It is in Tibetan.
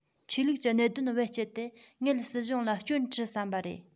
ཆོས ལུགས ཀྱི གནད དོན བེད སྤྱད དེ ངེད སྲིད གཞུང ལ སྐྱོན དཀྲི བསམ པ རེད